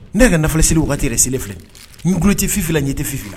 Ne ka na nafolo seli waati wagati yɛrɛ seli filɛ nur tɛ fifi la ɲɛ tɛ fi la